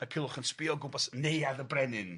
Ma' Culhwch yn sbïo o gwmpas neuadd y brenin.